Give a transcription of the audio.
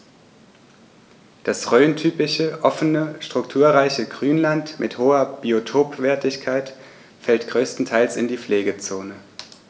Das rhöntypische offene, strukturreiche Grünland mit hoher Biotopwertigkeit fällt größtenteils in die Pflegezone.